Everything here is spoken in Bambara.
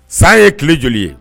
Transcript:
San ye tile joli ye?